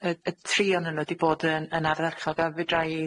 y y tri o'nyn nw 'di bod yn yn ardderchog, a fedra i